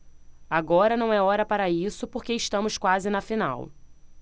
agora não é hora para isso porque estamos quase na final